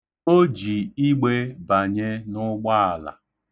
O ji igbe banye n'ụgbaala.